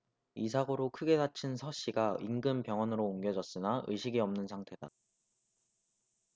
이 사고로 크게 다친 서씨가 인근 병원으로 옮겨졌으나 의식이 없는 상태다